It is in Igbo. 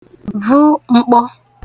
vụ m̀kpọ